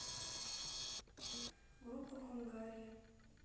группа хунгария